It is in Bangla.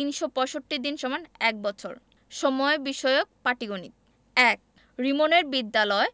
৩৬৫ দিন = ১বছর সময় বিষয়ক পাটিগনিতঃ ১ রিমনের বিদ্যালয়